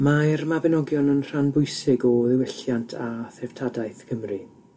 Mae'r Mabinogion yn rhan bwysig o ddiwylliant a threftadaeth Cymru